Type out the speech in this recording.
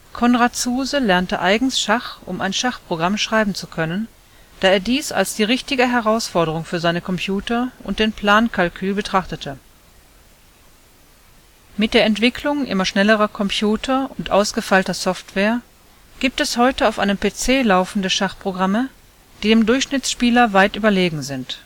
Konrad Zuse lernte eigens Schach, um ein Schachprogramm schreiben zu können, da er dies als die richtige Herausforderung für seine Computer und den Plankalkül betrachtete. Mit der Entwicklung immer schnellerer Computer und ausgefeilter Software gibt es heute auf einem PC laufende Schachprogramme, die dem Durchschnittsspieler weit überlegen sind